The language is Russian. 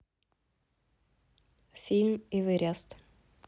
фильм эверест